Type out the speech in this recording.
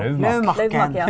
bjørkemåleren .